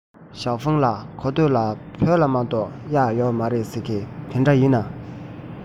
ཞའོ ཧྥུང ལགས གོ ཐོས ལ བོད ལྗོངས མ གཏོགས གཡག ཡོད མ རེད ཟེར གྱིས དེ འདྲ ཡིན ན